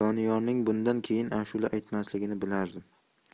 doniyorning bundan keyin ashula aytmasligini bilardim